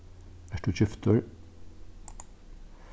ert tú giftur